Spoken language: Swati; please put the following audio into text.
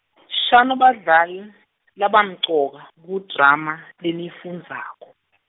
shano badlali, labamcoka, kudrama, leniyifundzako.